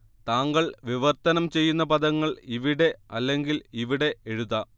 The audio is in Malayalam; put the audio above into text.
താങ്കൾ വിവർത്തനം ചെയ്യുന്ന പദങ്ങൾ ഇവിടെ അല്ലെങ്കിൽ ഇവിടെ എഴുതാം